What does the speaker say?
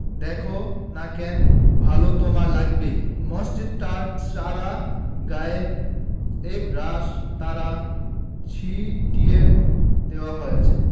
দ্যাখো না কেন ভালো তোমার লাগবেই মসজিদটার সারা গায়ে একরাশ তারা ছিটিয়ে দেয়া হয়েছে